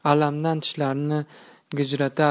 alamdan tishlarini g'ijirlatardi